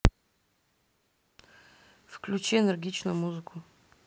включи энергичную музыку